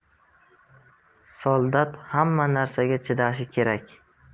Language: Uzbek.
soldat hamma narsaga chidashi kerak